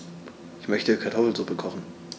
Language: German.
Ich möchte Kartoffelsuppe kochen.